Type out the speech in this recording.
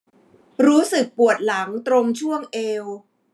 รู้สึกปวดหลังตรงช่วงเอว